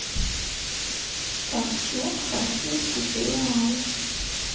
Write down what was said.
ковчег российский сериал